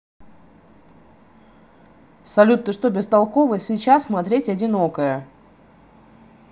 салют ты что бестолковый свеча смотреть одинокая